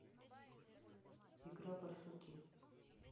игра барсуки